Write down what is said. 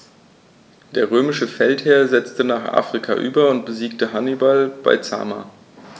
Der römische Feldherr setzte nach Afrika über und besiegte Hannibal bei Zama.